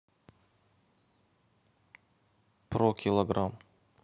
про килограмм